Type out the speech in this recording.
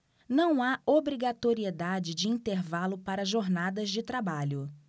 não há obrigatoriedade de intervalo para jornadas de trabalho